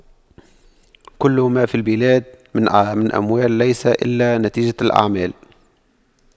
كل ما في البلاد من أموال ليس إلا نتيجة الأعمال